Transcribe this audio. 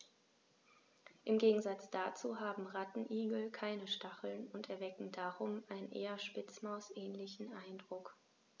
Im Gegensatz dazu haben Rattenigel keine Stacheln und erwecken darum einen eher Spitzmaus-ähnlichen Eindruck.